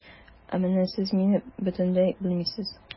Ә менә сез мине бөтенләй белмисез.